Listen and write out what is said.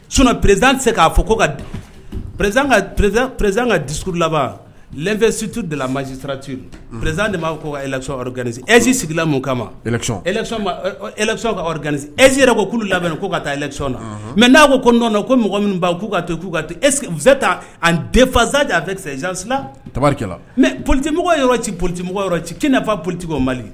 S prezan se k'a fɔ ko ka prez pz prez ka di suru laban fɛ situ dalalalamasi sirantiri prez de b'a kosdi ez sigila min kama ma kardanii ez yɛrɛ ko'olu labɛn ko ka taa sonɔn na mɛ n'a kodɔndɔ ko mɔgɔ min b'a' ka to k' ka esɛ ta ani denfaz jan a fɛz tari mɛ politimɔgɔ yɔrɔ ci politimɔgɔ yɔrɔ ci' politi o mali